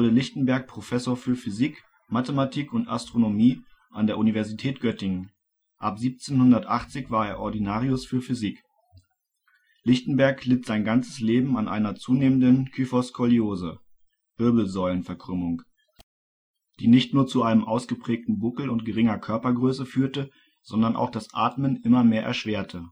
Lichtenberg Professor für Physik, Mathematik und Astronomie an der Universität Göttingen, ab 1780 war er Ordinarius für Physik. Lichtenberg litt sein ganzes Leben an einer zunehmenden Kyphoskoliose (Wirbelsäulenverkrümmung), die nicht nur zu einem ausgeprägten Buckel und geringer Körpergröße führte, sondern auch das Atmen immer mehr erschwerte